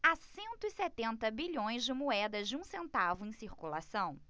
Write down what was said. há cento e setenta bilhões de moedas de um centavo em circulação